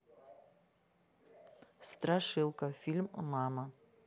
страшилка фильм мама